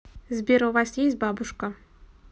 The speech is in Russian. сбер у вас есть бабушка